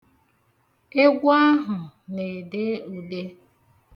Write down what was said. Egwu ahụ na-ede ude.